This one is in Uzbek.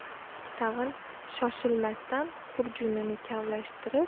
tag'in shoshilmasdan hurjunini kavlashtirib